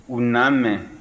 u n'a mɛn